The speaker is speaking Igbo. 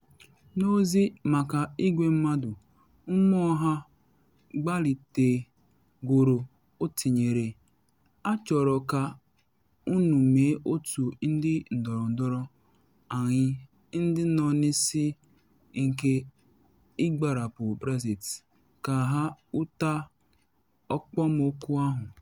N’ozi maka igwe mmadụ mmụọ ha gbalitegoro o tinyere: ‘Achọrọ ka unu mee otu ndị ndọrọndọrọ anyị, ndị nọ n’isi nke ịgbarapụ Brexit, ka ha hụta okpomọkụ ahụ.